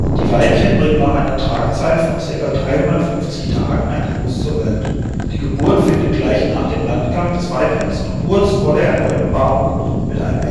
Die Weibchen bringen nach einer Tragzeit von ca. 350 Tagen ein Junges zur Welt. Die Geburt findet gleich nach dem Landgang des Weibchens und kurz vor der erneuten Paarung mit einem